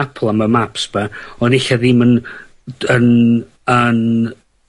Apple am y maps 'ma ond ella ddim yn dy- yn yn